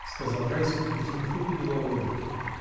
— сказал Райский, протянув руку Беловодовой.